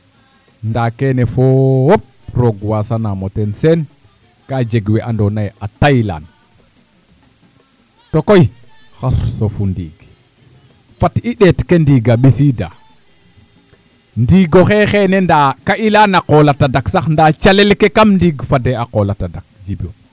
nda keene foop roog waasanaam o ten Seen ka jeg we andoona yee a taylaan to koy xar sofu ndiig fat i ɗeet ke ndiiga ɓisiida ndiig oxey xeene nda ka i laya na qool la tadak sax ndaa calel ke kam ndiig fadee a qool a tadak Djiby